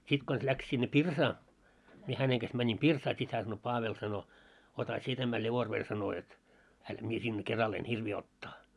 sitten konsa lähti sinne pirsaan minä hänen kanssa menin pirsaan sitten hän sanoi Paavel sanoi ota sinä tämä revolveri sanoi jotta häntä minä sinne keralla en hirviä ottaa